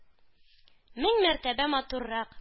Мең мәртәбә матуррак!